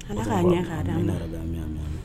Allah k'a ɲan k'a di an ma Amina.